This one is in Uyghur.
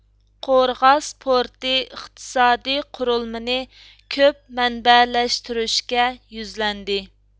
قورغاس پورتى ئىقتىسادىي قۇرۇلمىنى كۆپ مەنبەلەشتۈرۈشكە يۈزلەندى